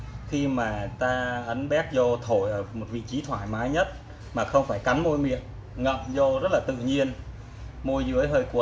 khi mà ta ấn bec vào thổi ở một vị trí thoải mái nhất mà không phải cắn môi miệng ngậm vô rất tự nhiên